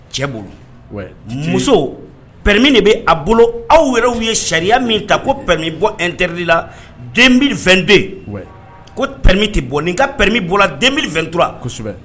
Bolo muso pɛmi de bɛ a bolo aw yɛrɛw ye sariya min ta ko pɛme bɔ n terirri la den2den ko pɛti bɔ nin n ka pɛme bɔla den2t kosɛbɛ